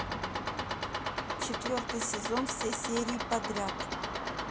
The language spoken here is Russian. четвертый сезон все серии подряд